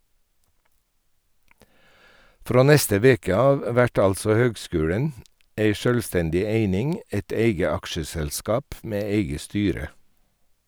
Frå neste veke av vert altså høgskulen ei sjølvstendig eining , eit eige aksjeselskap med eige styre.